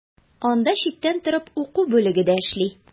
Анда читтән торып уку бүлеге дә эшли.